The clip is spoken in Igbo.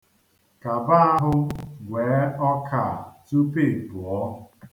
Kaba ahụ gwee ọka a tupu ị pụọ.